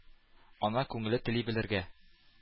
Ана күңеле тели белергә: